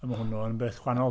Wel mae hwnnw yn beth gwahanol.